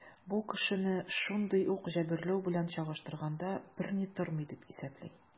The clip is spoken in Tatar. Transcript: Бу кешене шундый ук җәберләү белән чагыштырганда берни тормый, дип исәпли.